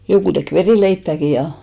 joku teki verileipääkin ja